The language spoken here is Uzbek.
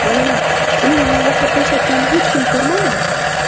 bolalar uning yong'oqqa tosh otganini hech kim ko'rmadimi